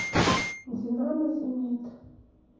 динамо зенит